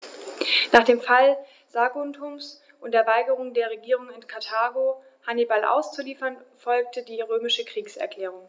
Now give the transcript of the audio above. Nach dem Fall Saguntums und der Weigerung der Regierung in Karthago, Hannibal auszuliefern, folgte die römische Kriegserklärung.